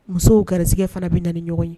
Musow garijɛgɛ fana bɛ na ni ɲɔgɔn ye